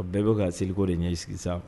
Bɛɛ bɛ ka seliko de ɲɛsigi sisan